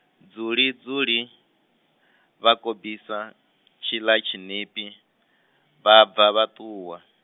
dzuli-dzuli, vha khobisa, tshila tshinipi, vha bva vha ṱuwa.